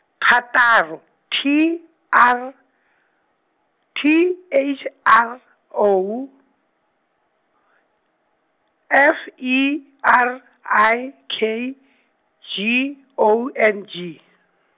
thataro T R, T H R O, F, E, R, I, K , G, O, N, G.